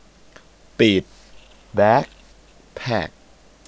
ปิดแบคแพ็ค